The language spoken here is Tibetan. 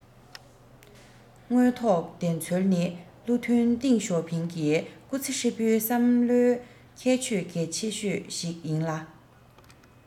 དངོས ཐོག བདེན འཚོལ ནི བློ མཐུན ཏེང ཞའོ ཕིང གི སྐུ ཚེ ཧྲིལ པོའི བསམ བློའི ཁྱད ཆོས གལ ཆེ ཤོས ཤིག ཡིན ལ